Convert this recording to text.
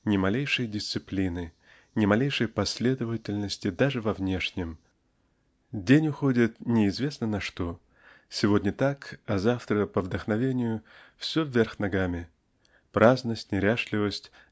ни малейшей дисциплины, ни малейшей последовательности даже во внешнем день уходит неизвестно на что сегодня так а завтра по вдохновению все вверх ногами праздность неряшливость